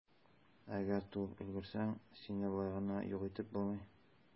Әгәр туып өлгерсәң, сине болай гына юк итеп булмый.